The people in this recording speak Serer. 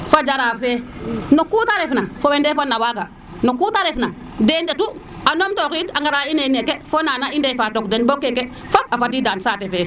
fo jaraaf fe no kuu te ref na fo we ndefan na waga no kuu te ref na de ndetu a num to xiida ngara leya ine neke fo nana i ndefa toog den bo keke fop a fadida saate fe